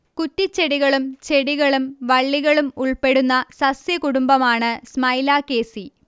കുറ്റിച്ചെടികളും ചെടികളും വള്ളികളും ഉൾപ്പെടുന്ന സസ്യകുടുംബമാണ് സ്മൈലാക്കേസീ